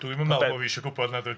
Dwi'm yn meddwl bod fi isho gwybod, nadw?